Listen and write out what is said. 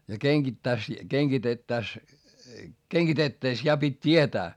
ja kengittäisi kengitettäessä kengitettäessä ja piti tietää